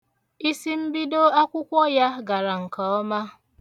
Isimbido akwụkwọ ya gara nke ọma.